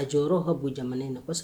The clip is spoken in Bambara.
A jɔyɔrɔ ka bon jamana in na kosɛbɛ